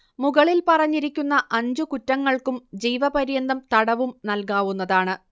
മുകളിൽ പറഞ്ഞിരിക്കുന്ന അഞ്ചു കുറ്റങ്ങൾക്കും ജീവപര്യന്തം തടവും നൽകാവുന്നതാണ്